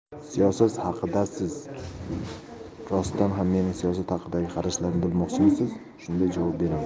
siyosat haqidasiz rostdan ham mening siyosat haqidagi qarashlarimni bilmoqchimisiz shunday javob beraman